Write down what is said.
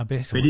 A beth oedd e?